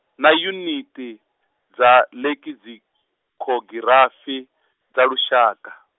na yuniti, dza lekizikhogirafi, dza lushaka.